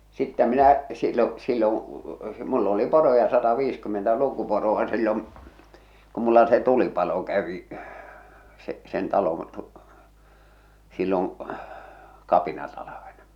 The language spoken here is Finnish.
sitten minä silloin silloin minulla oli poroja sataviisikymmentä lukuporoa silloin kun minulla se tulipalo kävi se sen talon - silloin kapinatalvena